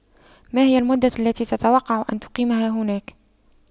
ما هي المدة التي تتوقع أن تقيمها هناك